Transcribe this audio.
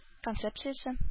Концепциясе